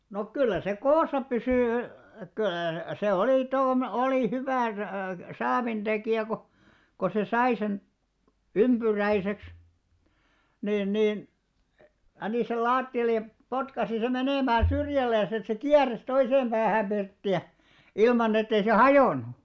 no kyllä se koossa pysyi - se oli - oli hyvä saavintekijä kun kun se sai sen ympyräiseksi niin niin pani sen lattialle ja potkaisi sen menemään syrjälleen että se kieri toiseen päähän pirttiä ilman että ei se hajonnut